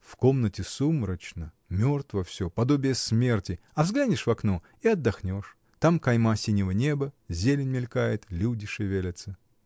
В комнате сумрачно, мертво, всё — подобие смерти, а взглянешь в окно — и отдохнешь: там кайма синего неба, зелень мелькает, люди шевелятся.